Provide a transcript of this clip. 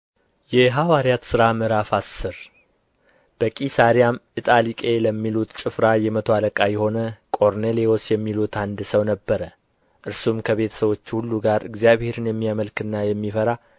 የሐዋርያት ሥራ ምዕራፍ አስር በቂሣርያም ኢጣሊቄ ለሚሉት ጭፍራ የመቶ አለቃ የሆነ ቆርኔሌዎስ የሚሉት አንድ ሰው ነበረ እርሱም ከቤተ ሰዎቹ ሁሉ ጋር እግዚአብሔርን የሚያመልክና የሚፈራ ለሕዝብም